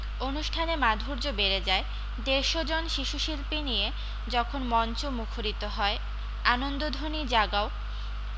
অনুষ্ঠানের মাধুর্য বেড়ে যায় দেড়শো জন শিশুশিল্পী নিয়ে যখন মঞ্চ মুখরিত হয় আনন্দধ্বনি জাগাও